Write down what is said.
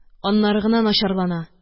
Аннары гына начарлана